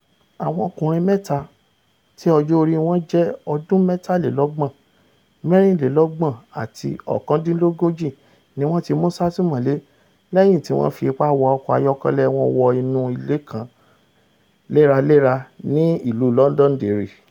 Àwọn ọkùnrin mẹ́ta, tí ọjọ́-orí wọn jẹ́ ọdún mẹ́tàlélọ́gbọ̀n, mẹ́rìnlélọ́gbọ̀n àti ọ̀kàndínlógójì ni wọn ti mú sátìmọ́lé lẹ́yìn tí wọ́n fi ipá wa ọkọ̀ ayọ́kẹ́lẹ́ wọ inú ilé kan léra-léra ní ìlú Lọndọndẹri.